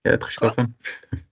Ia, dach chi isio gorffen?